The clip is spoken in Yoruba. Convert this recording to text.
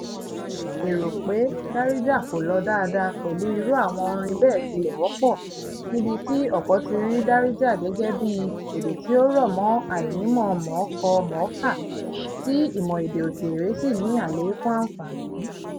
Èrò pé Darija kò lọ dáadáa pẹ̀lú irú àwọn orin bẹ́ẹ̀ tilẹ̀ wọ́pọ̀ níbi tí ọ̀pọ̀ ti rí Darija gẹ́gẹ́ bíi èdè tí ó rọ̀ mọ́ àìnímọ̀ mọ̀ọ́kọ-mọ̀ọ́kà, tí ìmọ̀ èdè òkèèrè sì ní àlékún àǹfààní.